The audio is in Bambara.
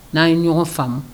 N'a ye ɲɔgɔn faamu